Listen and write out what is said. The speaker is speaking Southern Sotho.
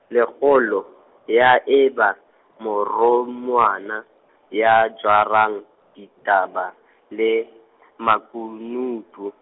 lengolo, ya eba, morum- wana, ya jarang, ditaba, le, makunutu.